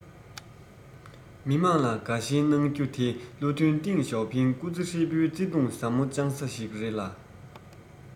མི དམངས ལ དགའ ཞེན གནང རྒྱུ དེ བློ མཐུན ཏེང ཞའོ ཕིང སྐུ ཚེ ཧྲིལ པོའི བརྩེ དུང ཟབ མོ བཅངས ས ཞིག རེད ལ